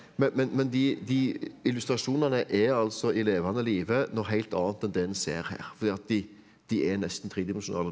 men men men de de illustrasjonene er altså i levende live noe heilt annet enn det en ser her fordi at de de er nesten tredimensjonale.